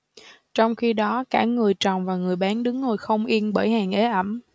trong khi đó cả người trồng và người bán đứng ngồi không yên bởi hàng ế ẩm